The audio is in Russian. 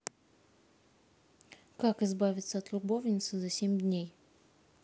как избавиться от любовницы за семь дней